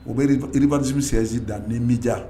U bɛ urbanisme siège da minɛ media